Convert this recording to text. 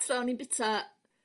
Tra o'n i'n bita